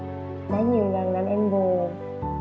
đã nhiều lần làm em buồn